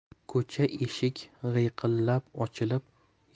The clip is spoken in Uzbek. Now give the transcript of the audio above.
ko'cha eshik g'iyqillab ochilib